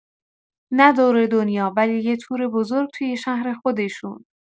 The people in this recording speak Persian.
نه دور دنیا، ولی یه تور بزرگ توی شهر خودشون